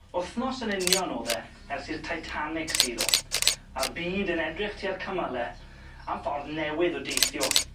Wthnos yn union o'dd e ers i'r Titanic suddo a'r byd yn edrych tua'r cymyle am ffordd newydd o deithio.